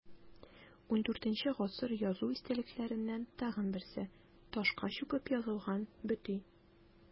ХIV гасыр язу истәлекләреннән тагын берсе – ташка чүкеп язылган бөти.